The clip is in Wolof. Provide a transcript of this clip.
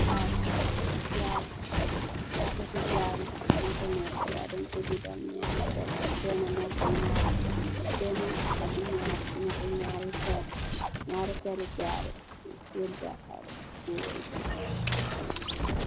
Amb nyerri jarrou la